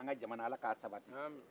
an ka jaamana ala ka sabati